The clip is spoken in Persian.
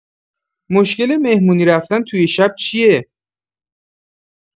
مشکل مهمونی رفتن توی شب چیه؟